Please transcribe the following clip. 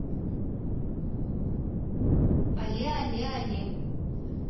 але але але